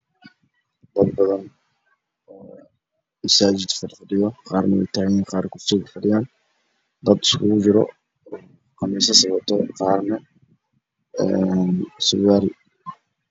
Dad badan oo masaajid fafadhiyo qaarkood way taagan yihiin qaarkoodna way fadhiyaan dad iskugu jira qamiisyo qaarne surwaal.